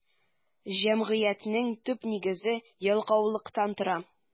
Җәмгыятьнең төп нигезе ялкаулыктан тора.